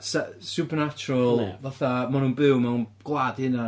S- supernatural... Ia. ...fatha, maen nhw'n byw mewn gwlad eu hunain.